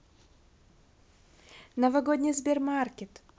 новогодний сбермаркет